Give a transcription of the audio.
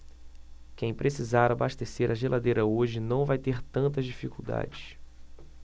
quem precisar abastecer a geladeira hoje não vai ter tantas dificuldades